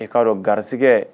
I k'a dɔn garisɛgɛ